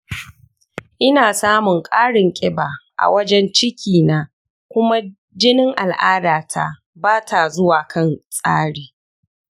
ina samun ƙarin ƙiba a wajen ciki na kuma jinin al’adata ba ta zuwa kan tsari.